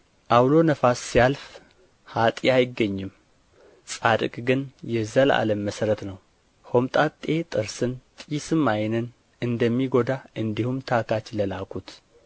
ዐውሎ ነፋስ ሲያልፍ ኃጥእ አይገኝም ጻድቅ ግን የዘላለም መሠረት ነው ሆምጣጤ ጥርስን ጢስም ዓይንን እንደሚጐዳ እንዲሁም ታካች ለላኩት